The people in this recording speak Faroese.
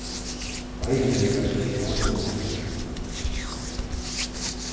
beinir var ikki javnlíki hansara